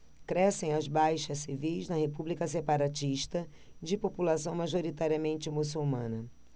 crescem as baixas civis na república separatista de população majoritariamente muçulmana